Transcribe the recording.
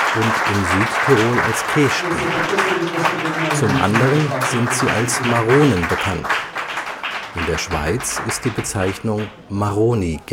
und in Südtirol als Keschtn. Zum anderen sind sie als Maronen oder Maroni bekannt. In der Schweiz ist die Bezeichnung Marroni gängig